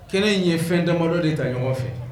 Kelen in ye fɛn damabadɔ de ta ɲɔgɔn fɛ